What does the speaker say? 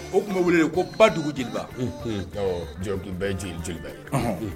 O tun bɛ wele ko ba dugu jeliba jeliw tun ye jeli jeliba ye